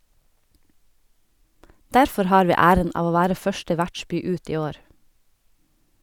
Derfor har vi æren av å være første vertsby ut i år.